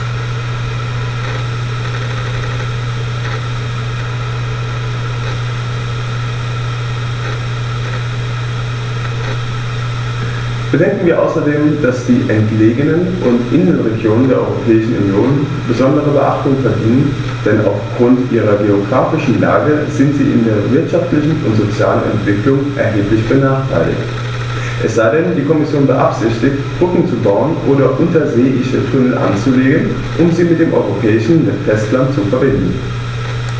Bedenken wir außerdem, dass die entlegenen und Inselregionen der Europäischen Union besondere Beachtung verdienen, denn auf Grund ihrer geographischen Lage sind sie in ihrer wirtschaftlichen und sozialen Entwicklung erheblich benachteiligt - es sei denn, die Kommission beabsichtigt, Brücken zu bauen oder unterseeische Tunnel anzulegen, um sie mit dem europäischen Festland zu verbinden.